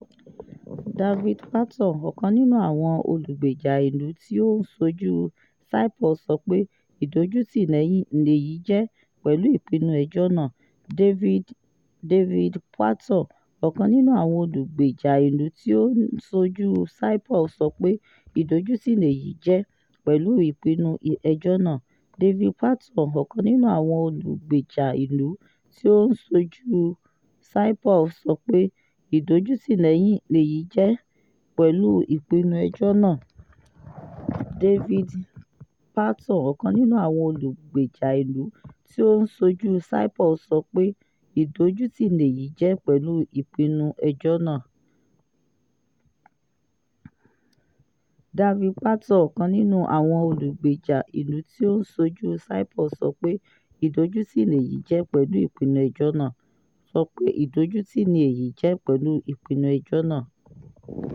David Patton, ọ̀kan nínú àwọn olúgbèjà ìlú tí ó ń ṣojú Saipov, sọ pé "ìdójútì lèyí jẹ́" pẹ̀lú ìpinnu ẹjọ́ náà.